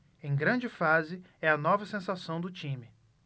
em grande fase é a nova sensação do time